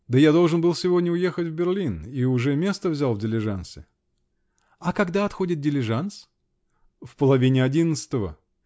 Да я должен был сегодня уехать в Берлин -- и уже место взял в дилижансе! -- А когда отходит дилижанс? -- В половине одиннадцатого!